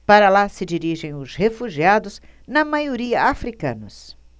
para lá se dirigem os refugiados na maioria hútus